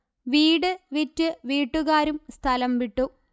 വീട് വിറ്റ് വീട്ടുകാരും സ്ഥലം വിട്ടു